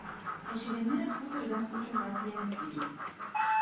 Ә чегәннәр хутордан хуторга теләнеп йөри.